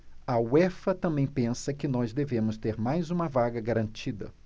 a uefa também pensa que nós devemos ter mais uma vaga garantida